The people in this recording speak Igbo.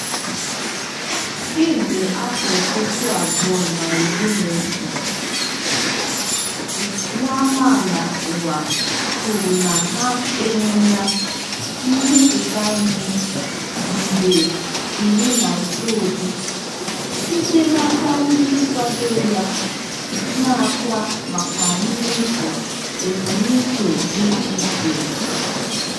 Kemgbe 2011, Global Citizen kwuru na ha enweela ”mmepụta ihe” nde 19 site n’aka ndị nkwado ya, na-akwa maka mmezu ebumnuche dị iche iche.